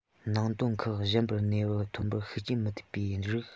ནང དོན ཁག གཞན པར ནུས པ ཐོན པར ཤུགས རྐྱེན མི ཐེབས པའི རིགས